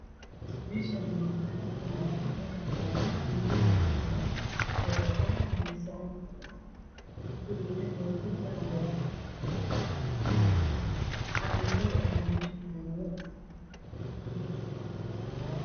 Meshani waa barxad banan ah waxatagan wll farabadan waxey watan qamisyo cadcad ah darbiga waa dirbi cades ah cag madow ah aya mesha taalo